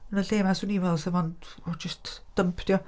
..Yn y lle 'ma 'swn i'n meddwl 'sa 'mond... wel, jyst dump 'di o.